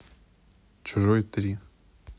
чужой три